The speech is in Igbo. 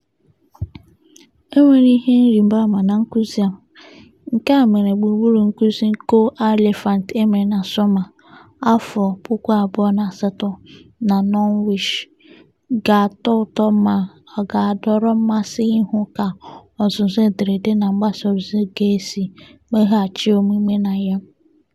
E nwere ihe ịrịbaama na nkụzi a - nke e mere gburugburu nkụzi Go Elephants e mere na Summer 2008 na Norwich- ga-atọ ụtọ ma ọ ga-adọrọ mmasị ịhụ ka ozuzu ederede na mgbasaozi ga-esi meghachi omume na ya.